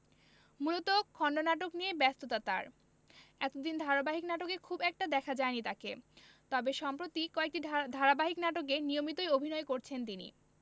মূলত খণ্ডনাটক নিয়েই ব্যস্ততা তার এতদিন ধারাবাহিক নাটকে খুব একটা দেখা যায়নি তাকে তবে সম্প্রতি কয়েকটি ধারাবাহিক নাটকে নিয়মিতই অভিনয় করছেন তিনি